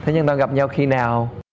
thế nhưng lần gặp nhau khi nào